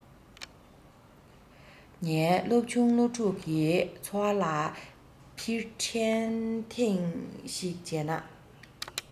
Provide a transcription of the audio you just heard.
ངའི སློབ ཆུང ལོ དྲུག གི འཚོ བ ལ ཕྱིར དྲན ཐེངས ཤིག བྱས ན